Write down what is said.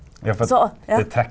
og så ja.